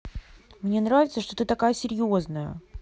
мне нравится что ты такая серьезная